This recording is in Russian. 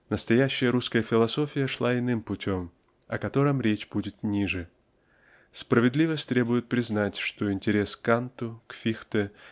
настоящая русская философия шла иным путем о котором речь будет ниже. Справедливость требует признать что интерес к Канту к Фихте